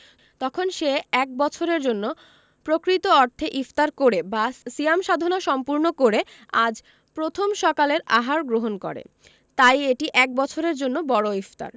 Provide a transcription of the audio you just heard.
তখন সে এক বছরের জন্য প্রকৃত অর্থে ইফতার করে বা সিয়াম সাধনা সম্পূর্ণ করে আজ প্রথম সকালের আহার গ্রহণ করে তাই এটি এক বছরের জন্য বড় ইফতার